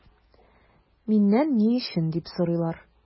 Миннән “ни өчен” дип сорыйлар.